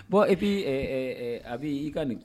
Bɔn e bɛ a b bɛ i ka nin